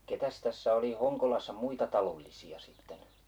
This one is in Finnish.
ketäs tässä oli Honkolassa muita talollisia sitten